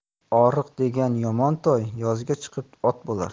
oriq degan yomon toy yozga chiqib ot bo'lar